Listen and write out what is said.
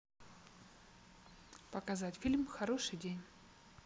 показать фильм хороший день